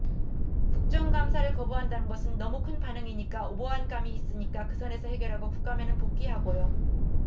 국정 감사를 거부한다는 것은 너무 큰 반응이니까 오버한 감이 있으니까 그 선에서 해결하고 국감에는 복귀하고요